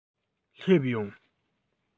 སླེབས ཡོང